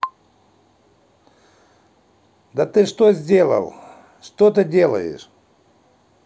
да ты что сделал что ты делаешь